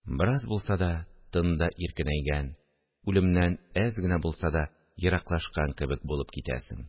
Бераз булса да тын да иркенәйгән, үлемнән әз генә булса да ераклашкан кебек булып китәсең